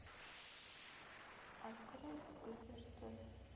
открой гсрт